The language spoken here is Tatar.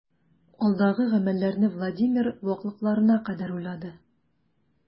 Алдагы гамәлләрне Владимир ваклыкларына кадәр уйлады.